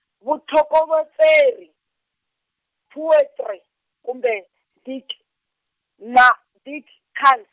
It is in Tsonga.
vutlhokovetseri, poetry, kumbe dig- na digkuns.